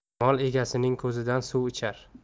mol egasining ko'zidan suv ichar